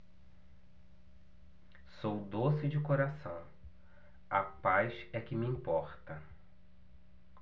sou doce de coração a paz é que me importa